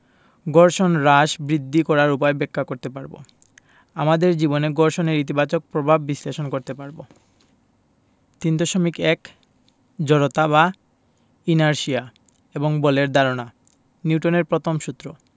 ঘর্ষণ হ্রাস বৃদ্ধি করার উপায় ব্যাখ্যা করতে পারব আমাদের জীবনে ঘর্ষণের ইতিবাচক প্রভাব বিশ্লেষণ করতে পারব ৩.১ জড়তা বা ইনারশিয়া এবং বলের ধারণা নিউটনের প্রথম সূত্র